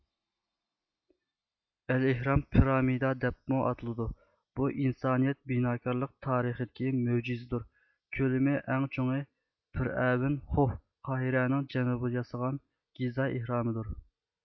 ئەلھئېرام پرامىدا دەپمۇ ئاتىلىدۇ بۇ ئىنسانىيەت بىناكارلىق تارىخىدىكى مۆجىزىدۇر كۆلىمى ئەڭ چوڭى پىرئەۋىن خۇف قاھىرەنىڭ جەنۇبىدا ياسىغان گىزائېھرامىدۇر